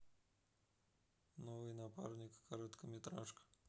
новый напарник короткометражка